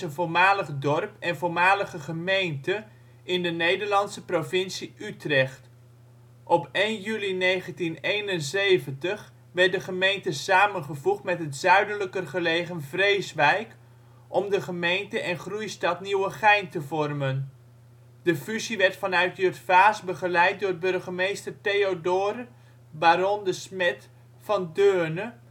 voormalig dorp en voormalige gemeente in de Nederlandse provincie Utrecht. Op 1 juli 1971 werd de gemeente samengevoegd met het zuidelijker gelegen Vreeswijk om de gemeente en groeistad Nieuwegein te vormen. De fusie werd vanuit Jutphaas begeleid door burgemeester Theodore baron de Smeth van Deurne